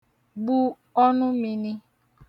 gbụ ọnụ mini